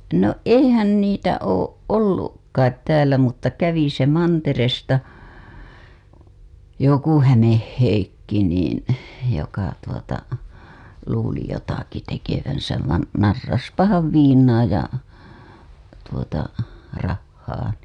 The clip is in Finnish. no eihän niitä ole ollut kai täällä mutta kävi se mantereelta joku Hämeen Heikki niin joka tuota luuli jotakin tekevänsä vaan narrasipahan viinaa ja tuota rahaa niin